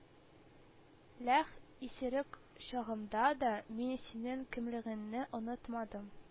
Ләх исерек чагымда да мин синең кемлегеңне онытмадым